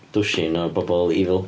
Dwsin o bobl evil.